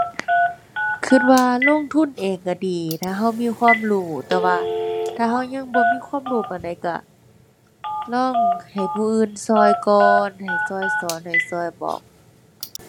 คิดว่าลงทุนเองคิดดี ถ้าคิดมีความรู้ แต่ว่าถ้าคิดยังบ่มีความรู้ปานใด คิดลองให้ผู้อื่นคิดก่อน ให้คิดสอน ให้คิดบอก